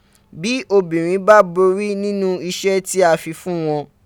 Bi obinrin ba bori ninu ise ti a fi fun won